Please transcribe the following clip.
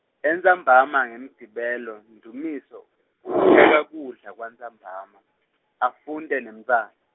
Entsambama ngeMgcibelo Ndumiso upheka kudla kwantsambama afunte nemntfwana.